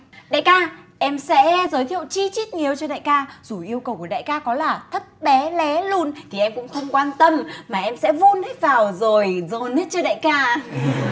đại ca em sẽ giới thiệu chi chít người yêu cho đại ca dù yêu cầu của đại ca có là thấp bé lé lùn thì em cũng không quan tâm mà em sẽ vun hết vào rồi dồn hết cho đại ca